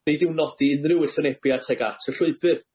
Nid yw'n nodi unrhyw wrthwynebiad tuag at y llwybyr.